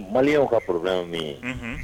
Maliw ka pw min ye